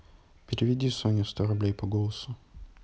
переведи соне сто рублей по голосу